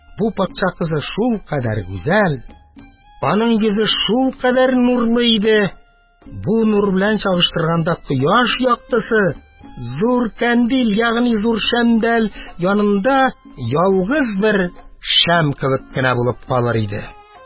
Бу патша кызы шулкадәр гүзәл, аның йөзе шулкадәр нурлы иде, бу нур белән чагыштырганда, кояш яктысы зур кандил (ягни зур шәмдәл) янында ялгыз бер шәм кебек кенә булып калыр иде.